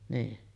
niin